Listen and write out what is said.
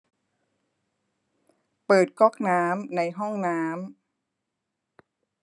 เปิดก๊อกน้ำในห้องน้ำ